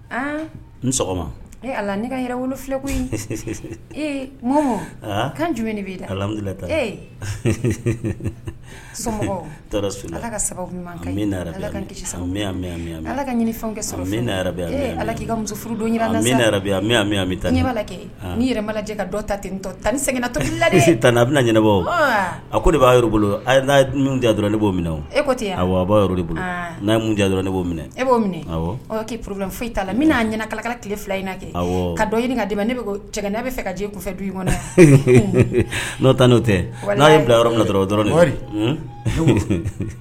N ne koyi ala ta ni tan a bɛna ɲɛnabagaw a ko de b'a dɔrɔn ne b'o bolo n' dɔrɔn b'o e' foyi ta laa ɲɛna tile fila inina kɛ ka ka di ne cɛ ne bɛ fɛ ka kunfɛ du kɔnɔ n'o n'o tɛ n'a bila yɔrɔ dɔrɔn dɔrɔn